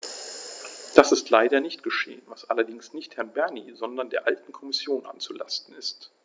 Das ist leider nicht geschehen, was allerdings nicht Herrn Bernie, sondern der alten Kommission anzulasten ist.